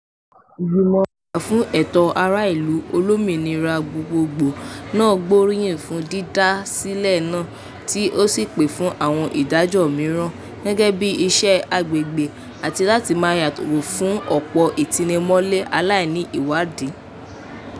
Ìgbìmọ̀ Ajà-fún-ẹ̀tọ́-ará-ìlù Olómìnira Gbogbogbò náà gbóríyìn fún dídásílẹ̀ náà, tí ó sì ń pè fún àwọn ìdájọ́ mìíràn, gẹ́gẹ́ bíi iṣẹ́ agbègbè, àti láti máa yàgò fún ọ̀pọ̀ ìtinimọ́lé aláìní ìwádìí.